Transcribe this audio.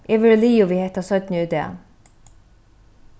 eg verið liðug við hetta seinni í dag